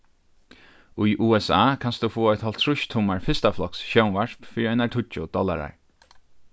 í usa kanst tú fáa eitt hálvtrýss tummar fyrstafloks sjónvarp fyri einar tíggju dollarar